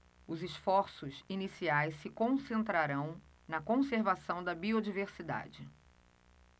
os esforços iniciais se concentrarão na conservação da biodiversidade